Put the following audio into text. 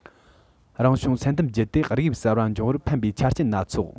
རང བྱུང བསལ འདེམས བརྒྱུད དེ རིགས དབྱིབས གསར པ འབྱུང བར ཕན པའི ཆ རྐྱེན སྣ ཚོགས